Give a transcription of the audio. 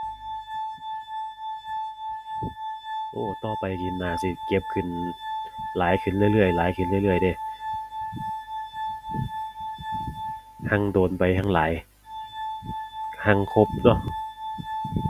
โอ้ ต่อไปสิน่าสิเก็บขึ้น หลายขึ้นเรื่อยเรื่อย หลายขึ้นเรื่อยเรื่อยเดะ แฮ่งโดนไปแฮ่งหลาย แฮ่งครบเนาะ